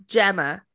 Gemma?